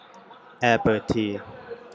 แอร์เปิดที